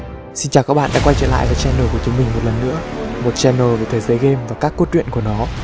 xin chào các bạn đã quay lại với channel của chúng mình lần nữa một channel về thế giới game và các cốt truyện của nó